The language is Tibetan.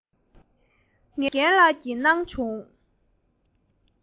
ངའི སེམས ཤུགས དེ ནི རྒན ལགས ཀྱི གནང བྱུང